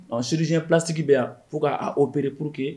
Ɔn chirurgien plastique bɛ yan fo k'a opéré, pour que